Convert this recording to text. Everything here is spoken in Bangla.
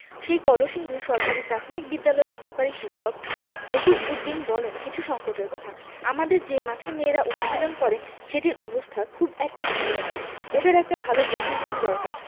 সেই কলসিন্দুর সরকারি প্রাথমিক বিদ্যালয়ের সহকারী শিক্ষক মফিজ উদ্দিন বললেন কিছু সংকটের কথা আমাদের যে মাঠে মেয়েরা অনুশীলন করে সেটির অবস্থা খুব একটা ভালো নয় ওদের একটা ভালো ড্রেসিংরুম দরকার